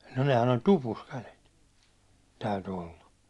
no nehän oli tupussa kädet täytyi olla